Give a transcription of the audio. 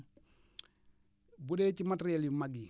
bu dee ci matériels yu mag yi